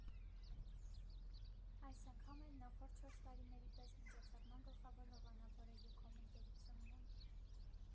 Այս անգամ էլ նախորդ չորս տարիների պես միջոցառման գլխավոր հովանավորը Յուքոմ ընկերությունն է։